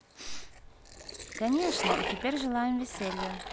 конечно и теперь желаем веселья